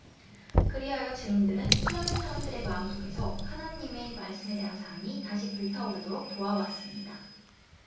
그리하여 증인들은 수많은 사람들의 마음속에서 하느님의 말씀에 대한 사랑이 다시 불타오르도록 도와 왔습니다